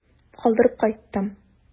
Калдырып кайттым.